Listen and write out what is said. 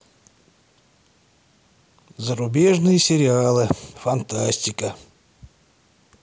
зарубежные сериалы фантастика